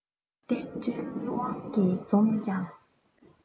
རྟེན འབྲེལ དབང གིས འཛོམས ཀྱང